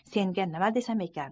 senga nima desam ekan